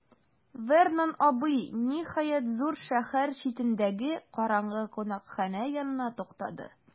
Вернон абый, ниһаять, зур шәһәр читендәге караңгы кунакханә янында туктады.